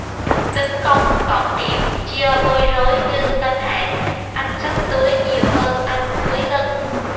tính công cộng điểm chia bôi rối như canh hẹ anh xách túi nhiều hơn anh cúi lưng